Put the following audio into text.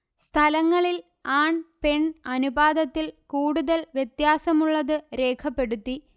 സ്ഥലങ്ങളില് ആണ് പെണ് അനുപാതത്തില് കൂടുതല് വ്യത്യാസമുള്ളത് രേഖപ്പെടുത്തി